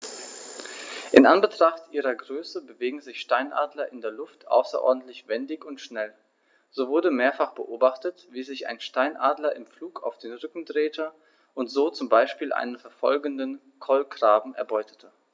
In Anbetracht ihrer Größe bewegen sich Steinadler in der Luft außerordentlich wendig und schnell, so wurde mehrfach beobachtet, wie sich ein Steinadler im Flug auf den Rücken drehte und so zum Beispiel einen verfolgenden Kolkraben erbeutete.